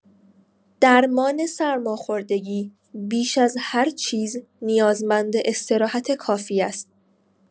درمان سرماخوردگی بیش از هر چیز نیازمند استراحت کافی است.